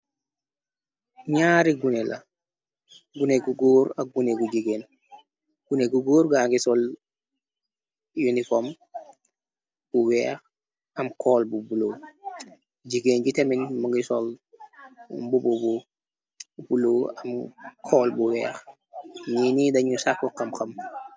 Ñaari gune la, guneku góor ak gune gu jigeen, gune gu góor gangi sol uniform bu weex, am kool bu bulow, jigéen ji temin mëngi sol mbobo bu bulo, am kool bu weex, ñi ni dañu sàkk xam-xam.